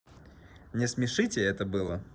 не смешите это было